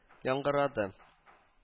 Яңгырады